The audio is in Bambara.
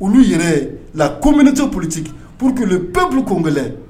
olu yɛrɛ la ko minitu pte purtu pep gɛlɛ